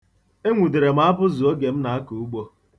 A nwụdere m abụzụ oge m na-akọ ugbo.